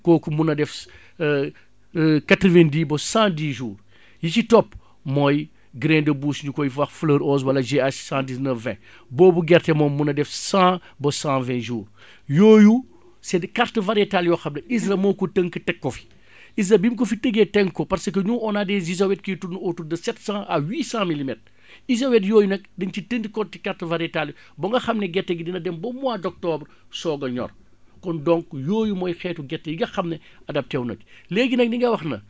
kooku mën na def quatre vingt dix ba cent dix jours yi si topp mooy grain de bouche ñu koy wax fleur onze wala JH cent dix neuf ving boobu gerte moom mën na def cent ba cent vingt jours yooyu c' est des cartes variétales yoo xam ne ISRA moo ko tënk teg ko fi ISRA bi mu kop fi tëggee tënk ko parce que nous on a des isowètes qui tournent au tour de sept cent à huit cent milimètres isowètes yooyu nag dañ ci tenir compte ci carte variétale ba nga xam ne gerte gi dina dem ba mois d' octobre soog a ñor kon donc yooyu mooy xeetu gerte yi nga xam ne adapté wu nañu léegi nag ni nga wax na